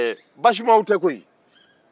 baasimaw te koyi